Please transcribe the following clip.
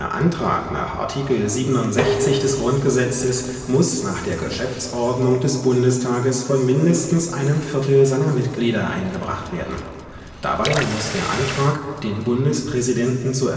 Antrag nach Artikel 67 des Grundgesetzes muss nach der Geschäftsordnung des Bundestages von mindestens einem Viertel seiner Mitglieder eingebracht werden. Dabei muss der Antrag, den Bundespräsidenten zu